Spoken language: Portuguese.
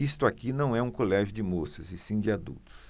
isto aqui não é um colégio de moças e sim de adultos